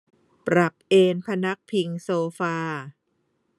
ปรับเอนพนักพิงโซฟา